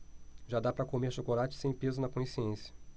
já dá para comer chocolate sem peso na consciência